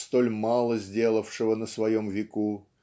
столь мало сделавшего на своем веку